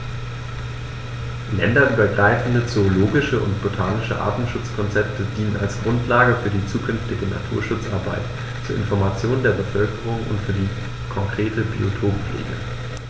Länderübergreifende zoologische und botanische Artenschutzkonzepte dienen als Grundlage für die zukünftige Naturschutzarbeit, zur Information der Bevölkerung und für die konkrete Biotoppflege.